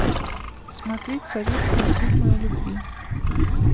смотреть советские фильмы о любви